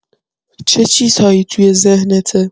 چه چیزهایی توی ذهنته؟